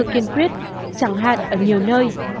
nhiều nơi chỉ